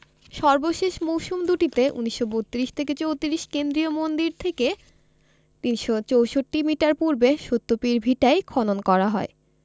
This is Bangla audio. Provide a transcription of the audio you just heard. সর্বশেষ মৌসুম দুটিতে ১৯৩২ ৩৪ কেন্দ্রীয় মন্দির থেকে ৩৬৪ মিটার পূর্বে সত্যপীর ভিটায় খনন করা হয়